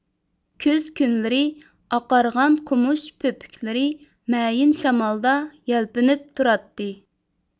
كۈز كۈنلىرى ئاقارغان قومۇش پۆپۈكلىرى مەيىن شامالدا يەلپۈنۈپ تۇراتتى